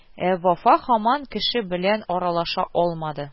Ә Вафа һаман кеше белән аралаша алмады